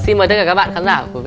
xin mời tất cả các bạn khán giả của